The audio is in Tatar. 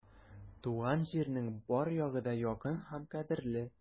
Туган җирнең бар ягы да якын һәм кадерле.